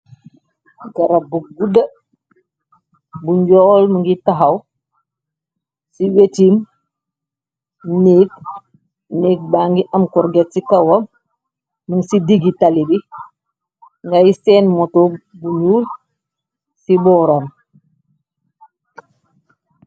Garab bu gudda bu njool mongi taxaw ci wetiim neeg néeg ba ngi am korget ci kawam nun ci diggi taali bi ngay seen moto bu ñuul ci boorom.